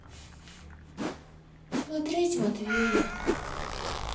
смотреть матвея